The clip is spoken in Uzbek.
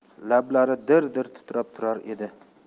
lablari dir dir titrab turar edi